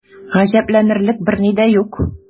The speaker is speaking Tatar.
Гаҗәпләнерлек берни дә юк.